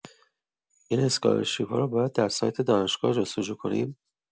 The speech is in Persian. این اسکالر شیپ‌ها را باید در سایت دانشگاه جستجو کنیم؟